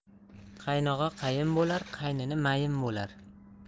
qaynog'a qayin bo'lar qaynini mayin bo'lar